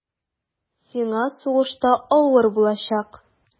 Сиңа сугышта авыр булачак.